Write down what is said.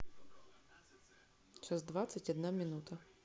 час двадцать одна минута